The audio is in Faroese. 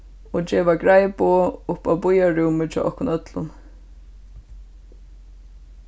og geva greið boð upp á býarrúmið hjá okkum øllum